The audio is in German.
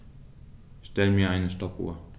Stell mir eine Stoppuhr.